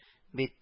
Бит